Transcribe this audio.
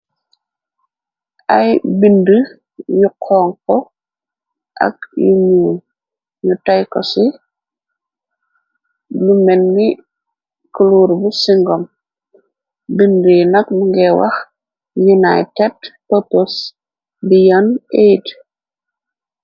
Ay bind yu konko ak yu ñuul, ñu tayko ci lu menni cluur bu singom, bind yi nag munge wax united purpose beyond aid.